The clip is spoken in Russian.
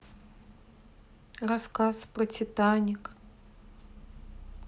рассказ про титаник